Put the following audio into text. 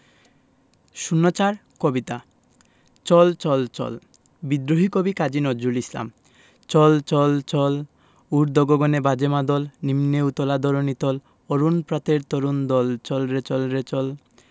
০৪ কবিতা চল চল চল বিদ্রোহী কবি কাজী নজরুল ইসলাম চল চল চল ঊর্ধ্ব গগনে বাজে মাদল নিম্নে উতলা ধরণি তল অরুণ প্রাতের তরুণ দল চল রে চল রে চল